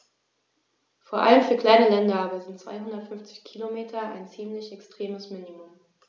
Vor allem für kleine Länder aber sind 250 Kilometer ein ziemlich extremes Minimum.